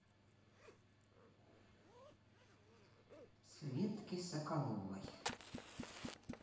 светке соколовой